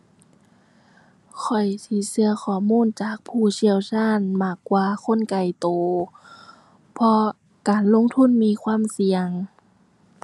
ข้อยสิเชื่อข้อมูลจากผู้เชี่ยวชาญมากกว่าคนใกล้เชื่อ เพราะการลงทุนมีความเสี่ยง